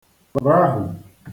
rahù